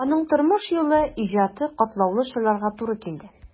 Аның тормыш юлы, иҗаты катлаулы чорларга туры килде.